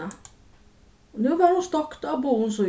nú var hon stokt á báðum síðum